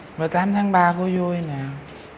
quà tám tháng ba của vui nè